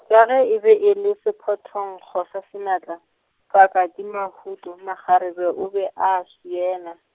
ka ge e be e le sephothonkgo sa senatla, Fakadimahuto makgarebe o be a a swiela.